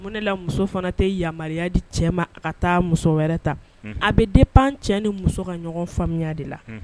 Mun nela muso fana tɛ yamaruya di cɛ ma a ka taa muso wɛrɛ ta a bɛ den pan cɛ ni muso ka ɲɔgɔn faamuyaya de la